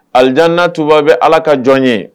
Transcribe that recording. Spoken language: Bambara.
Alijana tuba bɛ Ala ka jɔn ye